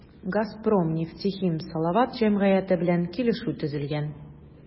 “газпром нефтехим салават” җәмгыяте белән килешү төзелгән.